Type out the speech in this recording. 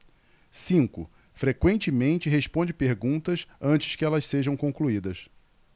cinco frequentemente responde perguntas antes que elas sejam concluídas